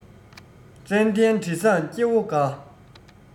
ཙན དན དྲི བཟང སྐྱེ བོ དགའ